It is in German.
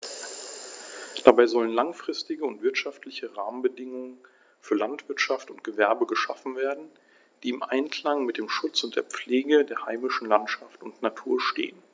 Dabei sollen langfristige und wirtschaftliche Rahmenbedingungen für Landwirtschaft und Gewerbe geschaffen werden, die im Einklang mit dem Schutz und der Pflege der heimischen Landschaft und Natur stehen.